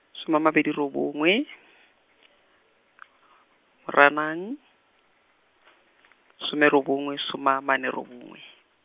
soma a mabedi robongwe , Moranang, some robongwe, soma amane robongwe.